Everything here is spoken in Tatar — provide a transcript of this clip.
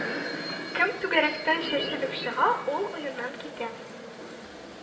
Кем түгәрәктән чәчелеп чыга, ул уеннан китә